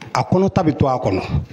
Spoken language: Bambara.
A kɔnɔ ta bɛ to a kɔnɔ